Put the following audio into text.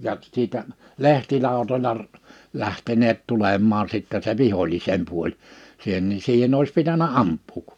ja siitä lehtilautoilla - lähteneet tulemaan sitten se vihollisen puoli siihen niin siihen olisi pitänyt ampua